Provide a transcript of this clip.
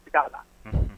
I t'a la